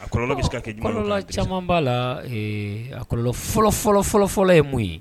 Alɔ bɛla caman b'a la alɔ fɔlɔ fɔlɔfɔlɔ ye mun ye